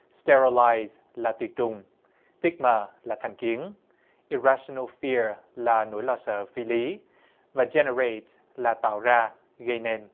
te ơ lai là tiệt trùng tiếc mà là thành kiến i rát si nô phia là nỗi lo sợ phi lý và gien nơ rây là tạo ra gây nên